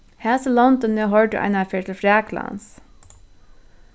hasi londini hoyrdu eina ferð til fraklands